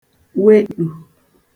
weṭù